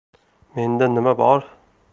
menda nima bor